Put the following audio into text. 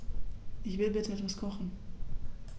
Ich will bitte etwas kochen.